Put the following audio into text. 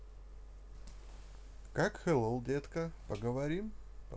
как hello детка повторим